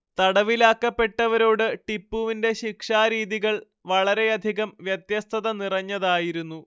തടവിലാക്കപ്പെട്ടവരോട് ടിപ്പുവിന്റെ ശിക്ഷാരീതികൾ വളരെയധികം വ്യത്യസ്തത നിറഞ്ഞതായിരുന്നു